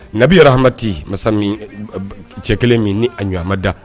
Nabi rahamati masa min ? cɛ kelen min a ɲɔgɔn ma da.